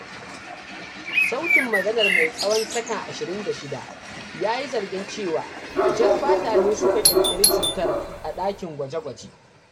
Sautin maganar mai tsawon sakan 26 ya yi zargin cewa, jar fata ne suka ƙirƙiri cutar a ɗakin gwaje-gwaje.